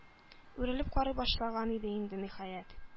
Үрелеп карый башлаган иде инде, ниһаять,